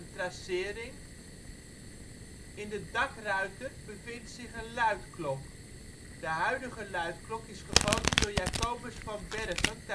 tracering. In de dakruiter bevindt zich een luidklok. De huidige luidklok is gegoten door Jacobus van Bergen